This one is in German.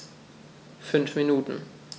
5 Minuten